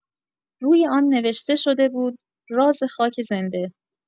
روی آن نوشته شده بود: "راز خاک زنده"